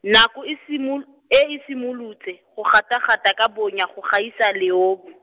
nako e simo-, e e simolotse, go gata gata ka bonya go gaisa leobu.